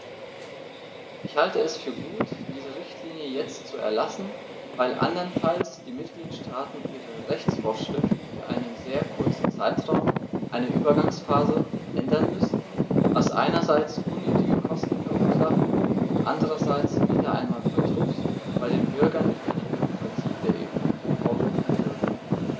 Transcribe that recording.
Ich halte es für gut, diese Richtlinie jetzt zu erlassen, weil anderenfalls die Mitgliedstaaten ihre Rechtsvorschriften für einen sehr kurzen Zeitraum, eine Übergangsphase, ändern müssten, was einerseits unnötige Kosten verursachen und andererseits wieder einmal Verdruss bei den Bürgern über die Bürokratie der EU hervorrufen würde.